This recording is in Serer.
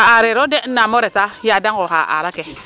a areero de nangaam o retaa yaa da nqooxaa aar ake,